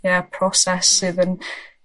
ia proses sydd yn